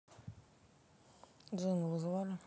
джина вызывали